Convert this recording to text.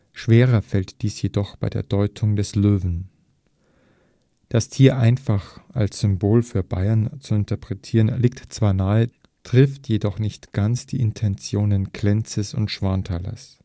Schwerer fällt dies jedoch bei der Deutung des Löwen. Das Tier einfach als Symbol für Bayern zu interpretieren liegt zwar nahe, trifft jedoch nicht ganz die Intentionen Klenzes und Schwanthalers